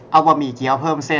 เอาบะหมี่เกี๊ยวเพิ่มเส้น